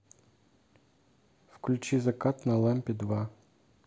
включи закат на лампе два